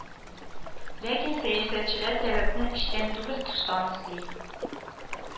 Ләкин сәясәтчеләр сәбәпне эчтән түгел, тыштан эзли